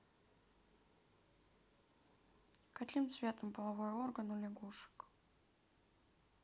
каким цветом половой орган у лягушек